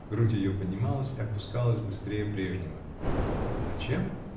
Грудь ее поднималась и опускалась быстрее прежнего. -- Зачем?